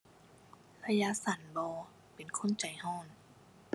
ระยะสั้นบ่ เป็นคนใจร้อน